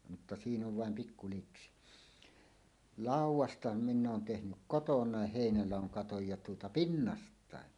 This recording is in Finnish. mutta siinä on vain pikku niksi laudasta minä olen tehnyt kotona heinäladon katon ja tuota pinnastakin